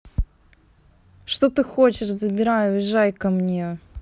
что ты хочешь забирай уезжай ко мне